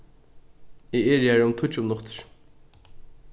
eg eri har um tíggju minuttir